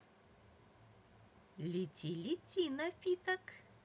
лети лети напиток